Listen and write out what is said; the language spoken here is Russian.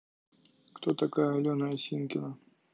кто такая алена осинкина